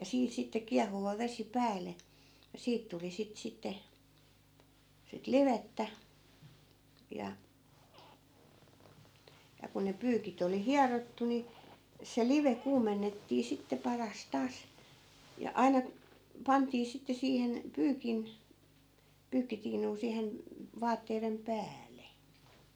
ja siinä sitten kiehuva vesi päälle ja siitä tuli sitä sitten sitä livettä ja ja kun ne pyykit oli hierottu niin se live kuumennettiin sitten paras taas ja aina pantiin sitten siihen pyykin pyykkitiinuun siihen vaatteiden päälle